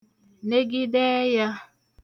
negide ẹyā